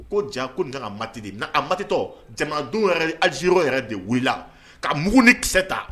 U ko ja ko nka nka mati de a matitɔ jamadenw yɛrɛ az yɛrɛ de wili ka mung ni kisɛ ta